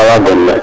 kam rawa gonle